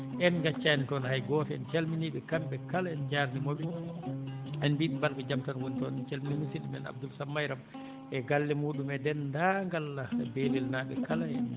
en ngaccani toon hay gooto en calminii ɓe kamɓe kala en njaarniima ɓe en mbiyii ɓe maa taw ko jam tan woni toon en calminii musidɗo mem Abdoul Samba Mariame e galle muɗumen e denndaangal Belel naaɓe kala